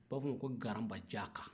o b'a fɔ a ma ko garanbajaka